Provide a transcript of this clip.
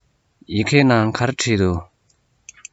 ཡི གེའི ནང ག རེ བྲིས འདུག